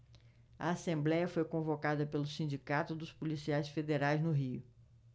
a assembléia foi convocada pelo sindicato dos policiais federais no rio